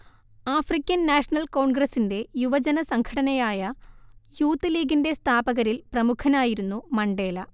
African National കോൺഗ്രസ്സിന്റെ യുവജനസംഘടനയായ youth ലീഗിന്റെ സ്ഥാപകരിൽ പ്രമുഖനായിരുന്നു മണ്ടേല